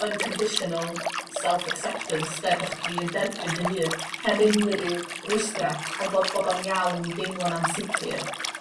unconditional self acceptance 'de bo' chdi yn derbyn dy hun heb unrhyw rwystra o bod bod o'n iawn i deimlo'n ansicir